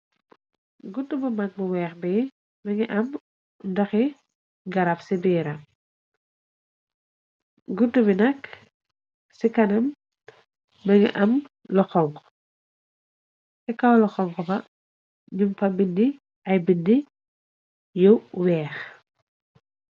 Guttu bu mag bu weex bi me ngi am ndoxi garaf ci biira gut bi nakk ci kanam mengi am loxong te kaw lo xong ba num pa bindi ay bindi yu weex.